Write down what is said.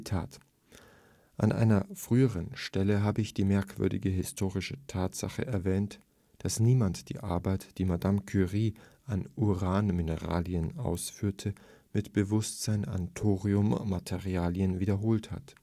An einer früheren Stelle habe ich die merkwürdige historische Tatsache erwähnt, dass niemand die Arbeit, die Madame Curie an Uranmineralien ausführte, mit Bewusstsein an Thoriummineralien wiederholt hat